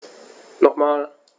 Nochmal.